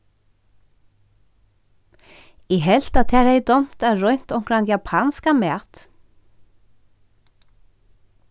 eg helt at tær hevði dámt at roynt onkran japanskan mat